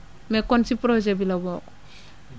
mais kon si projet bi la bokk